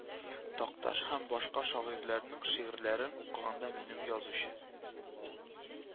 Такташ һәм башка шагыйрьләрнең шигырьләрен укыганда минем язучы